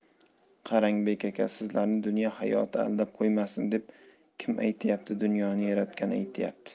qarang bek aka sizlarni dunyo hayoti aldab qo'ymasin deb kim aytyapti dunyoni yaratgan aytyapti